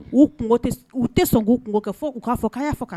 U u tɛ sɔn k'u kɛ u k'a k' y'a faga kan